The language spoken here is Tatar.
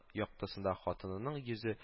Яктысында хатынының йөзе